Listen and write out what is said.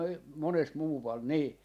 monesti muualla niin